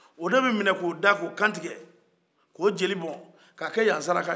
o de bɛ minɛ k'o da k'o kantigɛ k'o joli bɔn ka kɛ yan saraka ye